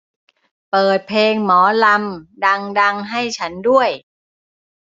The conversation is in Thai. เปิดเพลงหมอลำดังดังให้ฉันด้วย